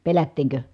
pelättiinkö